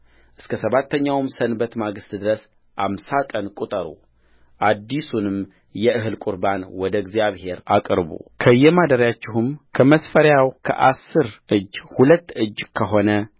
እስከ ሰባተኛ ሰንበት ማግስት ድረስ አምሳ ቀን ቍጠሩ አዲሱንም የእህል ቍርባን ወደ እግዚአብሔር አቅርቡከየማደሪያችሁ ከመስፈሪያው ከአሥር እጅ ሁለት እጅ ከሆነ